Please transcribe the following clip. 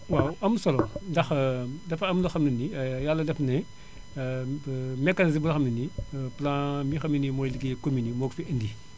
waaw am solo ndax dafa am loo xam ne nii yàlla def ne mécanisme bi nga xam ne nii plan bi nga xam ne nii mooy liggéeyee communes yi moo ko fi indi